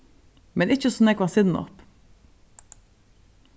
men ikki so nógvan sinnop